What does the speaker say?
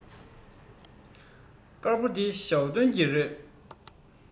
དཀར པོ འདི ཞའོ ཏོན གྱི རེད